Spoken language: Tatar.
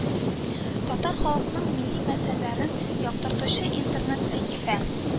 Татар халкының милли мәсьәләләрен яктыртучы интернет-сәхифә